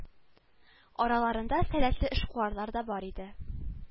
Араларында сәләтле эшкуарлар да бар иде